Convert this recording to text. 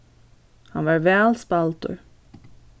hann var væl spældur